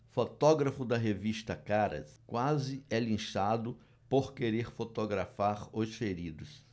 fotógrafo da revista caras quase é linchado por querer fotografar os feridos